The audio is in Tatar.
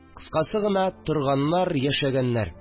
Кыскасы гына: торганнар, яшәгәннәр